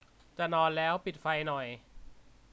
จะนอนแล้วปิดไฟหน่อย